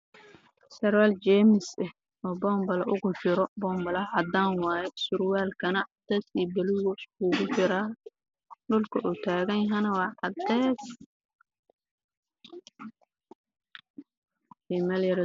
Waa surwaal jeenis ah boombale ugu jiro